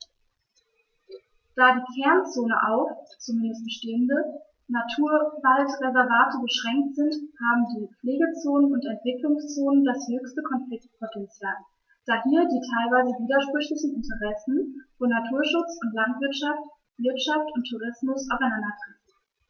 Da die Kernzonen auf – zumeist bestehende – Naturwaldreservate beschränkt sind, haben die Pflegezonen und Entwicklungszonen das höchste Konfliktpotential, da hier die teilweise widersprüchlichen Interessen von Naturschutz und Landwirtschaft, Wirtschaft und Tourismus aufeinandertreffen.